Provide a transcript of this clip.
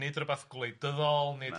nid rywbeth gwleidyddol na na.